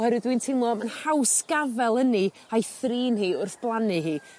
oherwydd dwi'n timlo ma'n haws gafel yn 'i a'i thrin hi wrth blannu hi